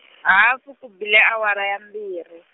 hafu ku bile awara ya mbirhi.